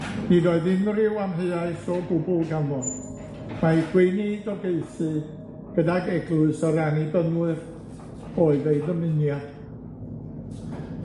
nid oedd unryw amheuaeth o gwbwl ganddo, mai gweinidogaethu gydag eglwys yr annibynwyr, oedd ei ddymuniad.